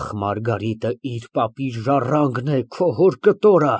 Բավական է, Մարգարիտ։ Ես չունիմ իրավունք քեզ հանդիմանելու, բայց այլևս լռել չեմ կարող։